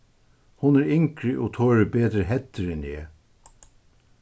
hon er yngri og torir betri hæddir enn eg